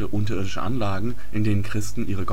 unterirdische Anlagen, in denen Christen ihre